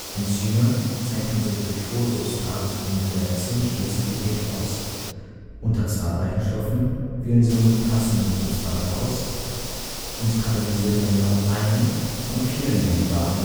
Enzyme zeichnen sich durch hohe Substrat - und Reaktionsspezifität aus, unter zahlreichen Stoffen wählen sie nur die passenden Substrate aus und katalysieren genau eine von vielen denkbaren